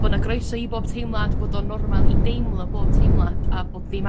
Bo' 'na groeso i bob teimlad bod o'n normal i deimlo bob teimlad a bod ddim